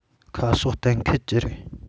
ཁ ཕྱོགས གཏན འཁེལ གྱི རེད